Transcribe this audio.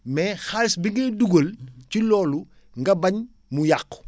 mais xaalis bi ngay duggal ci loolu nga bañ mu yàqu